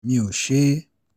Mo ò ṣé ééé.”